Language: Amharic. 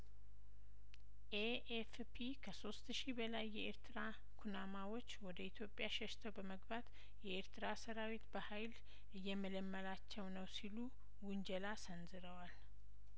ኤኤፍፒ ከሶስት ሺ በላይ የኤርትራ ኩናማዎች ወደ ኢትዮጵያ ሸሽተው በመግባት የኤርትራ ሰራዊት በሀይል እየመለመላቸው ነው ሲሉ ውንጀላ ሰንዝረዋል